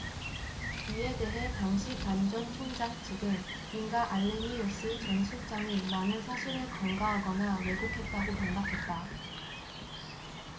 이에 대해 당시 반 전 총장 측은 잉가 알레니우스 전 실장이 많은 사실을 간과하거나 왜곡했다고 반박했다